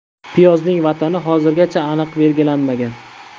piyozning vatani hozirgacha aniq belgilanmagan